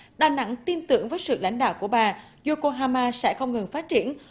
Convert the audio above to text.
đà nẵng tin tưởng với sự lãnh đạo của bà dô cô ha ma sẽ không ngừng phát triển